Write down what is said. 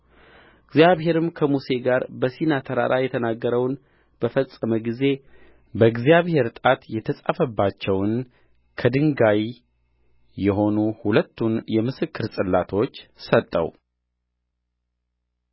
እግዚአብሔርም ከሙሴ ጋር በሲና ተራራ የተናገረውን በፈጸመ ጊዜ በእግዚአብሔር ጣት የተጻፈባቸውን ከድንጋይ የሆኑ ሁለቱን የምስክር ጽላቶች ሰጠው